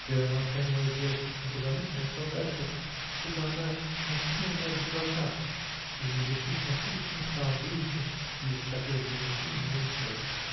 Когда молчание мое сделалось слишком продолжительно, я стал бояться, что бы она не приняла меня за дурака, и решился во что бы то ни стало вывести из такого заблуждения на мой счет.